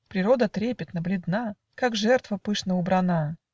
Природа трепетна, бледна, Как жертва, пышно убрана.